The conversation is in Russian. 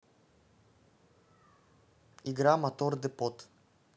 игра motor depot